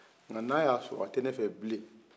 nka n'a y'a sɔrɔ a tɛ ne fɛ bilen